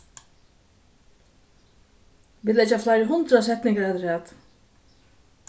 vit leggja fleiri hundrað setningar afturat